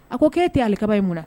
A ko' ee tɛ ali kaba ye mun na